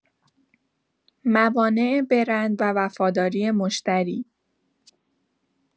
موانع برند و وفاداری مشتری